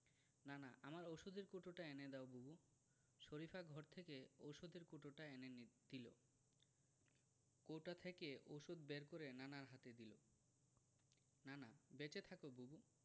নানা আমার ঔষধের কৌটোটা এনে দাও বুবু শরিফা ঘর থেকে ঔষধের কৌটোটা এনে দিল কৌটা থেকে ঔষধ বের করে নানার হাতে দিল নানা বেঁচে থাকো বুবু